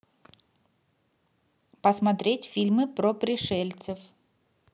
посмотреть фильмы про пришельцев